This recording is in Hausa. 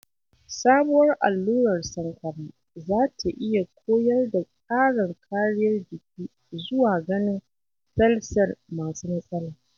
Sabuwar allurar sankara za ta iya koyar da tsarin kariyar jiki zuwa ‘ganin’ sel-sel masu matsala